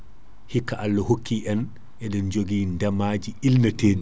hika Allah hokki en eɗen joogui ndeemaji ilnateɗi